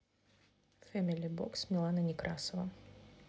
фэмили бокс милана некрасова